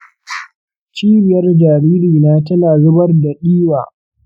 cibiyar jaririna tana zubar da ɗiwa.